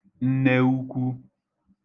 nne ukwu